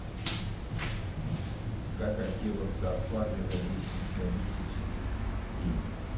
как отделаться от парня за десять день